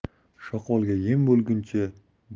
shoqolga yem bo'lguncha